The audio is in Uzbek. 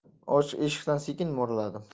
ochiq eshikdan sekin mo'raladim